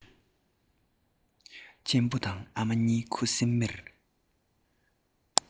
གཅེན པོ དང ཨ མ གཉིས ཁུ སིམ མེར